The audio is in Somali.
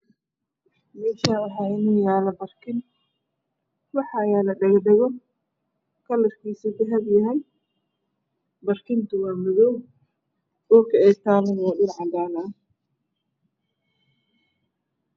Meeshaan waxaa inoo yaala barkin iyo dhagadhago kalarkiisu dahabi yahay. Barkintu waa madow dhulka ay saaran yihiin waa cadaan.